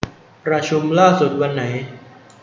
ประชุมล่าสุดวันไหน